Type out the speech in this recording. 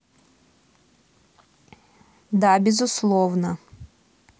да безусловно